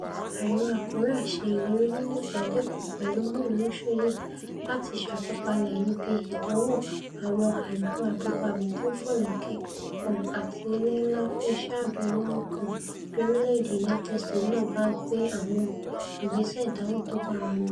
Àríwá Kòríà ṣe ìlérí nínú ìpàdé kan pẹ̀lú Moon lóṣù yìí láti ṣàtúpalẹ̀ ibi ìdánwòàwọn àdó abúgbàmu tóńfòlókè kan àti ilé ńlá fún iṣẹ́ àdó olóró kan bí orilẹ-èdè United States náà bá gbé ''àwọn ìgbésẹ̀ ìdáhùn tóbáramu.''